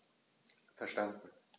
Verstanden.